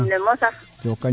theme ne mosa